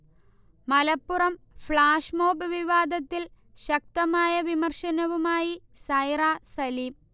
Malappuram flash mob വിവാദത്തിൽ ശക്തമായ വിമർശനവുമായി സൈറ സലീം